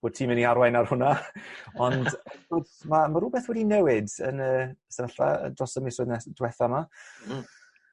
bo' ti'n myn' i arwain ar hwnna ond wrth gwrs ma' ma' rwbeth wedi newid yn y sefyllfa dros y misodd nes- dwetha 'ma. Hmm.